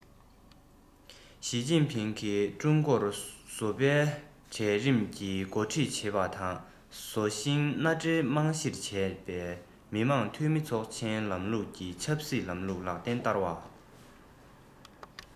ཞིས ཅིན ཕིང གིས ཀྲུང གོར བཟོ པའི གྲལ རིམ གྱིས འགོ ཁྲིད བྱེད པ དང བཟོ ཞིང མནའ འབྲེལ རྨང གཞིར བྱས པའི མི དམངས འཐུས མི ཚོགས ཆེན ལམ ལུགས ཀྱི ཆབ སྲིད ལམ ལུགས ལག ལེན བསྟར བ